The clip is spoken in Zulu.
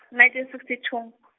nineteen sixty two .